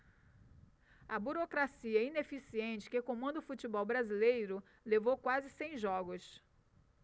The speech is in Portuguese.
a burocracia ineficiente que comanda o futebol brasileiro levou quase cem jogos